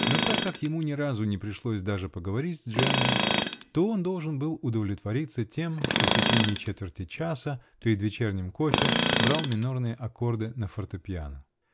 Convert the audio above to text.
Но так как ему ни разу не пришлось даже поговорить с Джеммой, то он должен был удовлетвориться тем, что в течение четверти часа, перед вечерним кофе, брал минорные аккорды на фортепиано.